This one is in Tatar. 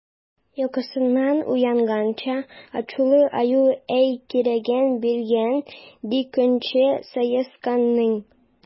Йокысыннан уянгач, ачулы Аю әй кирәген биргән, ди, көнче Саесканның!